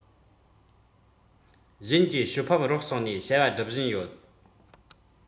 གཞན གྱིས ཞོ ཕམ རོགས སོང ནས བྱ བ སྒྲུབ བཞིན ཡོད